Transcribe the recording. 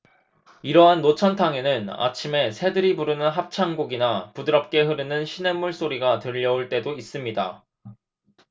이러한 노천탕에는 아침에 새들이 부르는 합창곡이나 부드럽게 흐르는 시냇물 소리가 들려올 때도 있습니다